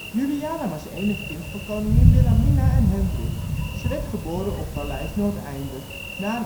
Juliana was enig kind van koningin Wilhelmina en Hendrik. Ze werd geboren op Paleis Noordeinde. Na